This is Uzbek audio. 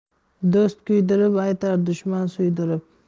do'st kuydirib aytar dushman suydirib